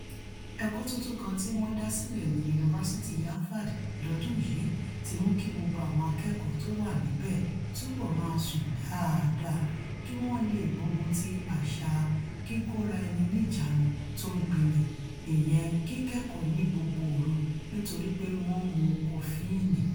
Ẹ̀kọ́ tuntun kan tí wọ́n dá sílẹ̀ ní Yunifásítì Harvard lọ́dún yìí ti mú kí gbogbo àwọn akẹ́kọ̀ọ́ tó wà níbẹ̀ túbọ̀ máa sùn dáadáa kí wọ́n lè gbógun ti àṣà kíkóra ẹni níjàánu tó ń gbilẹ̀, ìyẹn kíkẹ́kọ̀ọ́ "ní gbogbo òru" nítorí pé wọ́n ń mu kọfíìnì.